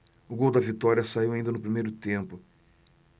o gol da vitória saiu ainda no primeiro tempo